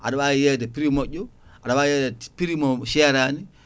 aɗa wawi yeyde prix moƴƴo aɗa wawi yeyde prix mo serani